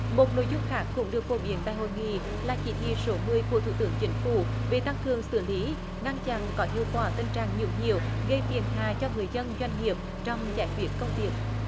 một nội dung khác cũng được phổ biến tại hội nghị là chỉ thị số mười của thủ tướng chính phủ về tăng cường xử lý ngăn chặn có hiệu quả tình trạng nhũng nhiễu gây phiền hà cho người dân doanh nghiệp trong giải quyết công việc